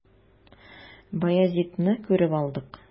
Баязитны күреп алдык.